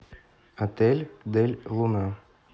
отель дель луна